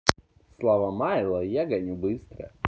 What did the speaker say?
слава майло я гоню быстро